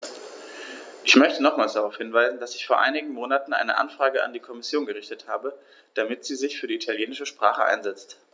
Ich möchte nochmals darauf hinweisen, dass ich vor einigen Monaten eine Anfrage an die Kommission gerichtet habe, damit sie sich für die italienische Sprache einsetzt.